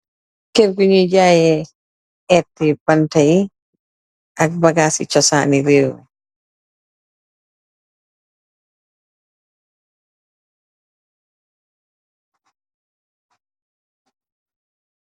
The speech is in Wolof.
Kër bu ñyoy jaaye, eti banta yi, ak bagaas I cosaan i réw mi.